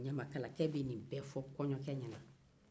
ɲamakalakɛ bɛ nin bɛɛ fɔ kɔɲɔkɛ ɲɛna